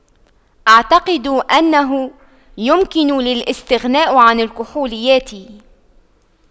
أعتقد أنه يمكن للاستغناء عن الكحوليات